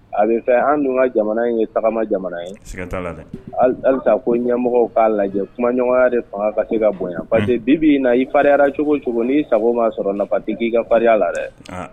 A bɛ fɛ an dun ka jamana in yema halisa ko ɲamɔgɔ k'a lajɛ kumaɲɔgɔnya de fanga ka ka bonya bi i fa cogo cogo sago ma sɔrɔ nafatigi k'i ka farinya la dɛ